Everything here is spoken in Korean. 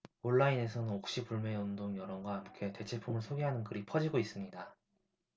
온라인에서는 옥시 불매운동 여론과 함께 대체품을 소개하는 글이 퍼지고 있습니다